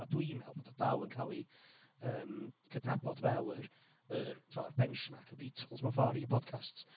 A dwi'n meddwl bod o dal yn cael ei yym, gydnabod fel yr, yr tibod benchmark y Beatles, mewn ffordd, i podcasts.